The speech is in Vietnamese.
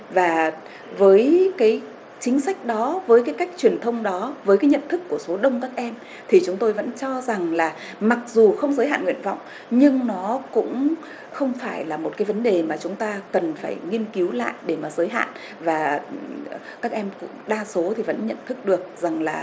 và với cái chính sách đó với cái cách truyền thông đó với nhận thức của số đông các em thì chúng tôi vẫn cho rằng là mặc dù không giới hạn nguyện vọng nhưng nó cũng không phải là một cái vấn đề mà chúng ta cần phải nghiên cứu lại để mà giới hạn và các em cũng đa số thì vẫn nhận thức được rằng là